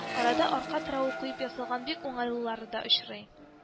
Арада арка терәве куеп ясалган бик уңайлылары да очрый